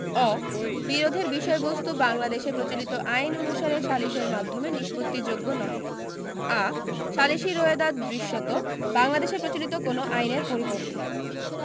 অ বিরোধের বিষয়বস্তু বাংলাদেশে প্রচলিত আইন অনুসারে সালিসের মাধ্যমে নিষ্পত্তিযোগ্য নহে আ সালিসী রোয়েদাদ দৃশ্যত বাংলাদেশে প্রচলিত কোন আইনের পরিপন্থী